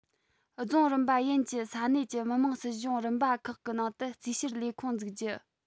རྫོང རིམ པ ཡན གྱི ས གནས ཀྱི མི དམངས སྲིད གཞུང རིམ པ ཁག གི ནང དུ རྩིས བཤེར ལས ཁུངས འཛུགས རྒྱུ